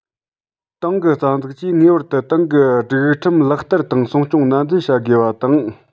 ཏང གི རྩ འཛུགས ཀྱིས ངེས པར དུ ཏང གི སྒྲིག ཁྲིམས ལག བསྟར དང སྲུང སྐྱོང ནན ཏན བྱ དགོས པ དང